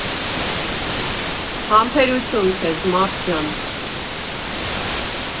Համբերություն քեզ, մա՛րդ ջան։